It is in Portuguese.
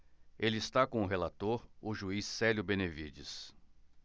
ele está com o relator o juiz célio benevides